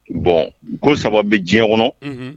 Bɔn ko saba bɛ diɲɛ kɔnɔ